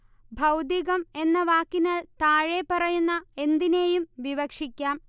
ഭൗതികം എന്ന വാക്കിനാൽ താഴെപ്പറയുന്ന എന്തിനേയും വിവക്ഷിക്കാം